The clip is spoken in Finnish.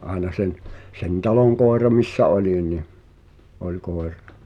aina sen sen talon koira missä olin oli koira